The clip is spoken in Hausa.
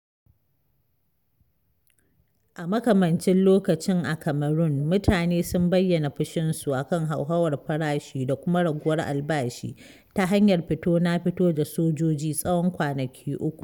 A makamancin lokacin a Cameroon, mutane sun bayyana fushinsu a kan hauhawar farashi da kuma raguwar albashi ta hanyar fito-na-fito da sojoji tsawon kawana uku.